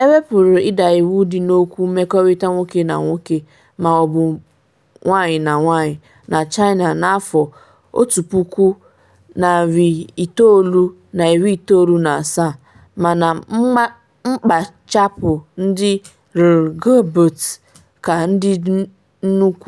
Ewepuru ịda iwu dị n’okwu mmekọrịta nwoke na nwoke ma ọ bụ nwanyị na nwaanyị na China na 1997, mana mkpachapụ ndị LGBT ka dị nnukwu.